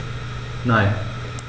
Nein.